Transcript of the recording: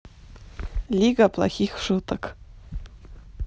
лига плохих шуток